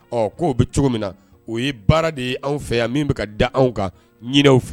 Ɔ k'o bɛ cogo min na o ye baara de ye anw fɛ yan min bɛ ka da anw kan ɲininw fɛ